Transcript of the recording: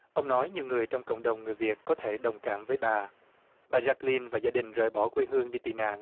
ông nói nhiều người trong cộng đồng người việt có thể đồng cảm với bà bà dác lin và gia đình rời bỏ quê hương đi tị nạn